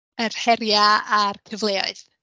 Yr heriau a'r cyfleoedd?